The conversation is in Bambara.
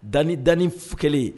Dani dani f kɛlen